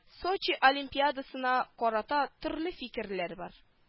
Сочи олимпиадасына карата төрле фикерләр бар